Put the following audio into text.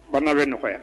Ban bɛ nɔgɔya